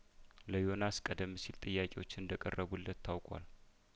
ለዮናስ ቀደም ሲል ጥያቄዎች እንደቀረቡለት ታውቋል